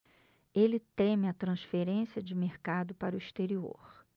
ele teme a transferência de mercado para o exterior